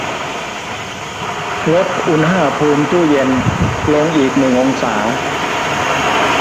ลดอุณหภูมิตู้เย็นลงอีกหนึ่งองศา